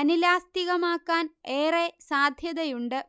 അനിലാസ്തികമാകാൻ ഏറെ സാധ്യതയുണ്ട്